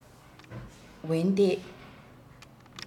འོན ཏེ